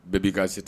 Bɛɛ b'i' a se ten